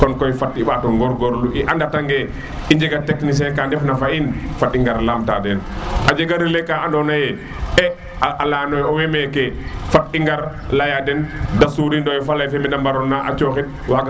kon koy fat i mbato goor gorui andata nge it i njega technicien ka ndef na fa in fat i ngar laam ta den a djega relais ka andona ye e aleyano yo owey mekefat i ngar leya den de suridnoyo faley fe mende mbar na a coxit